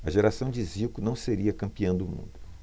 a geração de zico não seria campeã do mundo